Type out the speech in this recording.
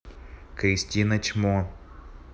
кристина чмо